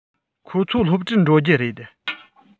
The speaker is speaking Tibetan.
ཁོ ཚོ སློབ གྲྭར འགྲོ རྒྱུ རེད